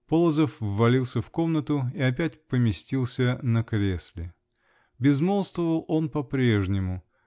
Полозов ввалился в комнату и опять поместился на кресле. Безмолвствовал он по-прежнему